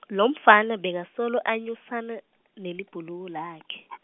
lomfana bekasolo enyusana nelibhuluko lakhe .